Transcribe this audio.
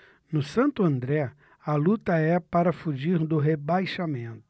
no santo andré a luta é para fugir do rebaixamento